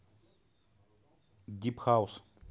дип хаус